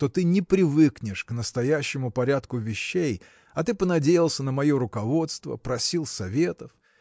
что ты не привыкнешь к настоящему порядку вещей а ты понадеялся на мое руководство просил советов.